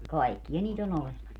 kaikkia niitä on olemassa